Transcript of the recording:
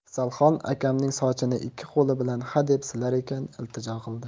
afzalxon akamning sochini ikki qo'li bilan hadeb silar ekan iltijo qildi